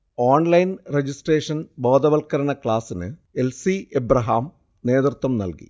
Online registration ബോധവത്കരണ ക്ലാസ്സിന് L. C. Abraham നേതൃത്വം നൽകി